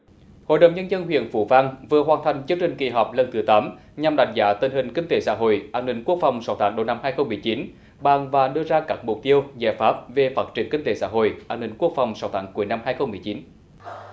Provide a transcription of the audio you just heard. hội đồng nhân dân huyện phú vang vừa hoàn thành chương trình kỳ họp lần thứ tám nhằm đánh giá tình hình kinh tế xã hội an ninh quốc phòng sáu tháng đầu năm hai không mười chín bàn và đưa ra các mục tiêu giải pháp về phát triển kinh tế xã hội an ninh quốc phòng sáu tháng cuối năm hai không mười chín